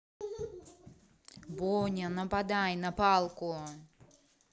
bonya нападай на палку